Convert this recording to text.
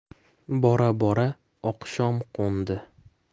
bora bora oqshom qo'ndi